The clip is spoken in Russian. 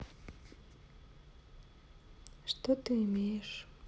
что ты имеешь